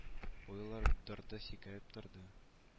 Бу юлы дорды сикереп торды